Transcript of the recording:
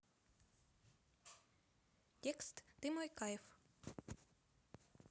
текст ты мой кайф